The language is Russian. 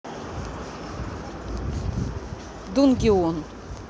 dungeon